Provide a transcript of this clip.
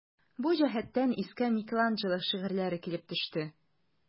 Бу җәһәттән искә Микеланджело шигырьләре килеп төште.